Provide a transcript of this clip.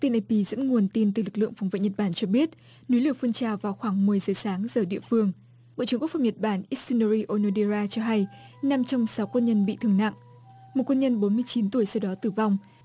tin ap dẫn nguồn tin từ lực lượng phòng vệ nhật bản cho biết núi lửa phun trào vào khoảng mười giờ sáng giờ địa phương bộ trưởng quốc phòng nhật bản itsunori onodera cho hay năm trong sáu quân nhân bị thương nặng một quân nhân bốn mươi chín tuổi sau đó tử vong